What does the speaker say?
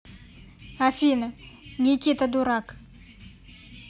афина никита дурак